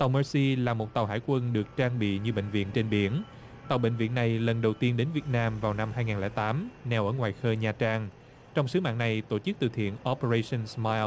tàu mơ si là một tàu hải quân được trang bị như bệnh viện trên biển tàu bệnh viện này lần đầu tiên đến việt nam vào năm hai ngàn lẻ tám neo ở ngoài khơi nha trang trong sứ mạng này tổ chức từ thiện o bờ rây sừn sờ mai